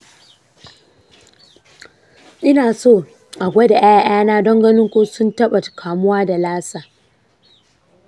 ina so a gwada ‘ya’yana don ganin ko sun taɓa kamuwa da lassa.